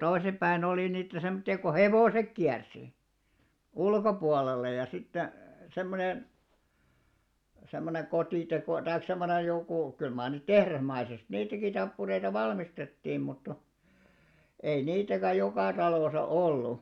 toisin päin oli niitä semmoisia kun hevoset kiersi ulkopuolella ja sitten semmoinen semmoinen - tai semmoinen joku kyllä mar niitä tehdasmaisesti niitäkin tappureita valmistettiin mutta ei niitäkään joka talossa ollut